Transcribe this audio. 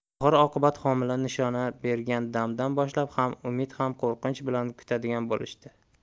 oxir oqibat homila nishona bergan damdan boshlab ham umid ham qo'rqinch bilan kutadigan bo'lishdi